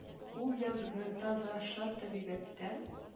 Ул, язгы, таза, шат табигатьтән